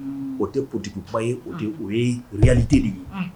O tɛ ptigiba ye oyali deli ye